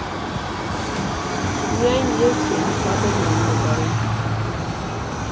Միայն ես չէի, շատերն էին նկարում։